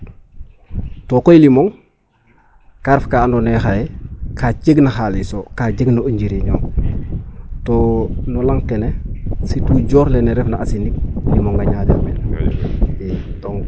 To koy limong ka ref ka andoona yee xaye kaa jegna xaalis o kaa jegna o njiriñ o to no lanq kene surtout joor lene refna a sinig limonga ñaƴa men ii donc.